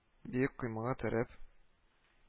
Биек коймага терәп